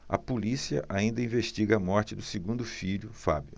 a polícia ainda investiga a morte do segundo filho fábio